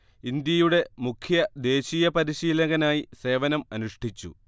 ഇന്ത്യയുടെ മുഖ്യ ദേശീയ പരിശീലകനായി സേവനം അനുഷ്ടിച്ചു